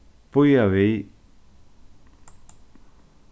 bíða við